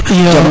iyo